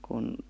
kun